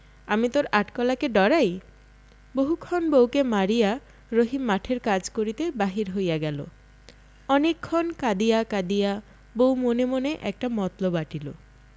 আমি তোর আট কলাকে ডরাই বহুক্ষণ বউকে মারিয়া রহিম মাঠের কাজ করিতে বাহির হইয়া গেল অনেকক্ষণ কাঁদিয়া কাঁদিয়া বউ মনে মনে একটি মতলব আঁটিল